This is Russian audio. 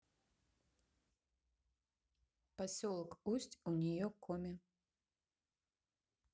поселок усть у нее коми